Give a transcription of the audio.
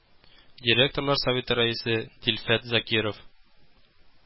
Директорлар советы рәисе Дилфәт Закиров